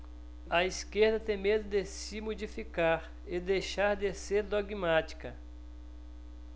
a esquerda tem medo de se modificar e deixar de ser dogmática